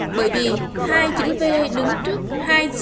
bởi vì hai chữ v đứng trước hai